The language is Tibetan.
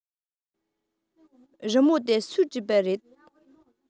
རི མོ དེ སུས བྲིས པ རེད